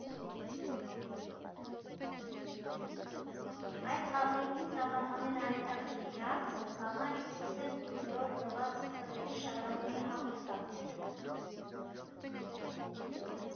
Այդ խաղի ինձ համար ամենահետաքրքիր հարցը կանաչ ու սև գույներով գրված թվերի շարանի մի աղյուսակն էր։